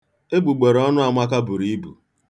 Egbùgbèrèọnụ̄ Amaka buru ibu.